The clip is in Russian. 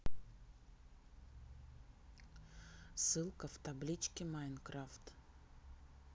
ссылка в табличке minecraft